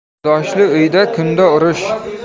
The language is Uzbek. kundoshli uyda kunda urush